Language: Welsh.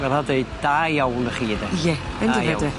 Fatha deud da iawn y chi de. Ie yndyfe de. Da iawn.